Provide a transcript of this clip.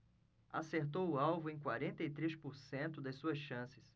acertou o alvo em quarenta e três por cento das suas chances